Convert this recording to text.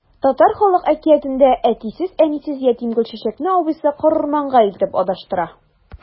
Татар халык әкиятендә әтисез-әнисез ятим Гөлчәчәкне абыйсы карурманга илтеп адаштыра.